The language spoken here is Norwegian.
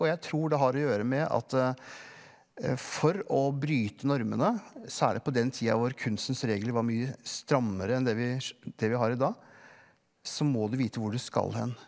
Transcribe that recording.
og jeg tror det har å gjøre med at for å bryte normene særlig på den tida hvor kunstens regler var mye strammere enn det vi det vi har i dag så må du vite hvor du skal hen.